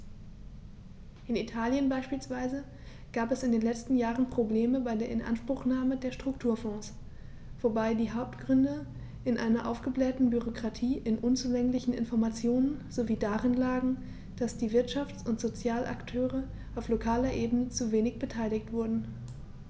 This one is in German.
In Italien beispielsweise gab es in den letzten Jahren Probleme bei der Inanspruchnahme der Strukturfonds, wobei die Hauptgründe in einer aufgeblähten Bürokratie, in unzulänglichen Informationen sowie darin lagen, dass die Wirtschafts- und Sozialakteure auf lokaler Ebene zu wenig beteiligt wurden.